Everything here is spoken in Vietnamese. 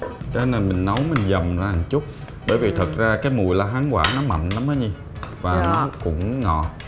cái này mình nấu mình dằm ra một chút bởi vì thực ra cái mùi la hán quả nó mặn lắm đó nhi và nó cũng ngọt